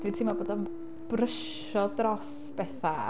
Dwi'n teimlo bod o'n brysio dros betha.